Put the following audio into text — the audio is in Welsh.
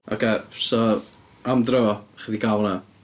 Ocê, so "Am Dro", chi 'di cael hwnna.